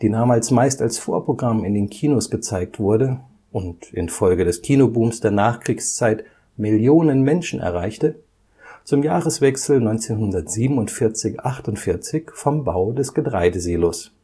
damals meist als Vorprogramm in den Kinos gezeigt wurde und infolge des Kinobooms der Nachkriegszeit Millionen Menschen erreichte, zum Jahreswechsel 1947 / 1948 vom Bau des Getreidesilos